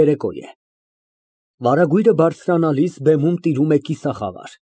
Երեկո է։ Վարագույրը բարձրանալիս բեմում տիրում է կիսախավար։